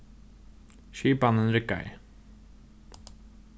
skipanin riggaði